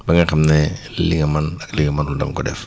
ba ngeen xam ne li nga mën ak li nga mënul da nga ko def